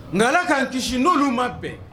Nka ala kaan kisi n'olu ma bɛn